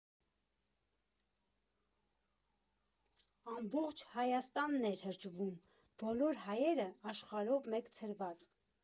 Ամբողջ Հայաստանն էր հրճվում, բոլոր հայերը՝ աշխարհով մեկ ցրված…